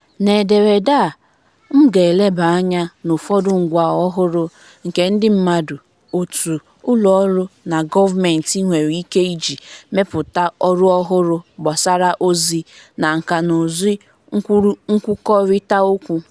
N'ederede a, m ga-elebanye anya n'ụfọdụ ngwá ọhụrụ nke ndị mmadụ, òtù, ụlọọrụ na gọọmenti nwere ike iji mepụta ọrụ ọhụrụ gbasara ozi na nkànaụzụ nkwukọrịta okwu.